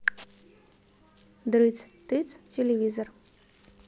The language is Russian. дрыц тыц телевизор